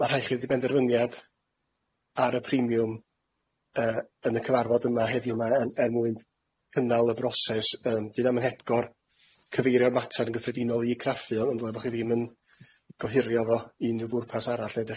ma' rhai' chi wedi benderfyniad ar y premium yy yn y cyfarfod yma heddiw ma yn er mwyn cynnal y broses yym dydi o'm yn hebgor cyfeirio'r mater yn gyffredinol i craffu ond dwi'n meddwl bo' chi ddim yn goherio efo unryw bwrpas arall lle dach